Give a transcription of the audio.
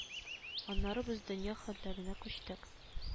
Аннары без дөнья хәлләренә күчтек